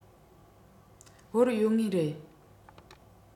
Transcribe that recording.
བོར ཡོད ངེས རེད